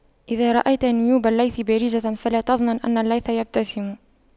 إذا رأيت نيوب الليث بارزة فلا تظنن أن الليث يبتسم